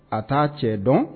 A t'a cɛ dɔn